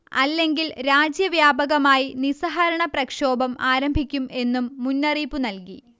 അല്ലെങ്കിൽ രാജ്യവ്യാപകമായി നിസ്സഹരണ പ്രക്ഷോഭം ആരംഭിക്കും എന്നും മുന്നറിയിപ്പുനൽകി